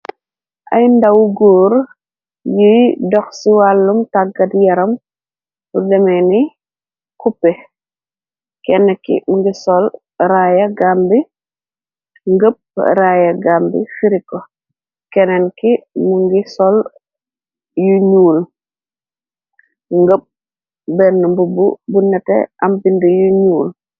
Ay ndawu góor, yiy dox ci wàllum tàggat yaram ru deme ni cope. Kenn ki mungi sol raaya gambi, ngëpp raaya gambi xiri ko, kenel ki mu ngi sol yu ñuul, ngëpp bena mbubu nu nete ambind yu ñuul.